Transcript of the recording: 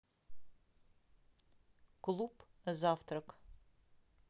клуб завтрак